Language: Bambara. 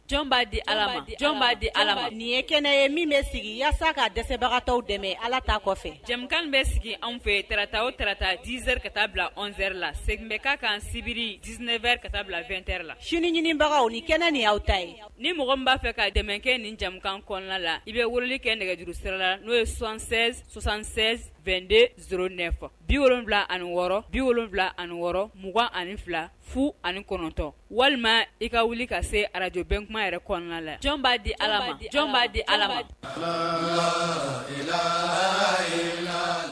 Jɔn b'a di ala jɔn b'a di ala nin ye kɛnɛ ye min bɛ sigi walasasa k ka dɛsɛbagata dɛmɛ ala ta kɔfɛ jamu bɛ sigi an fɛ tta o tata dze ka taa bila zeri la sɛ bɛ ka kan sibiri dseɛrɛ ka taa bila2ɛ la sini ɲinibagaw ni kɛnɛ ni aw ta ye ni mɔgɔ b'a fɛ ka dɛmɛ kɛ nin jamana kɔnɔna la i bɛ wuli kɛ nɛgɛjurusɛ la n'o ye sonsan sonsan72de s ne bi wolon wolonwula ani wɔɔrɔ bi wolon wolonwula ani wɔɔrɔ 2ugan ani fila fu ani kɔnɔntɔn walima i ka wuli ka se arajbɛnkuma yɛrɛ kɔnɔna la jɔn b'a di ala jɔn b'a di ala